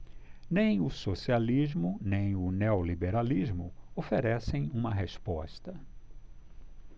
nem o socialismo nem o neoliberalismo oferecem uma resposta